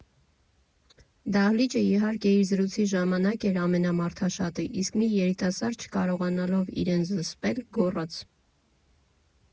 Դահլիճը, իհարկե, իր զրույցի ժամանակ էր ամենամարդաշատը, իսկ մի երիտասարդ, չկարողանալով իրեն զսպել, գոռաց.